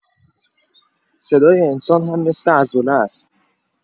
صدای انسان هم مثل عضله است؛